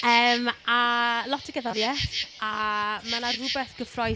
Yym, a, lot o gerddoriaeth a mae 'na rhywbeth gyffrous...